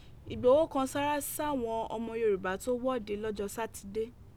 Igboho kan sárá sáwọn ọmọ Yorùbá tó wọ́de lọ́jọ́ Sátidé